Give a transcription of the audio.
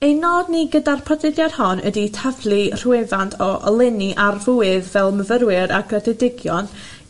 Ein nod ni gyda'r podlediad hon ydi taflu rhywefant o oleni ar fwydd fel myfyrwyr ag gradedigion